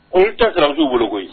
O ye ta kalansiw boloko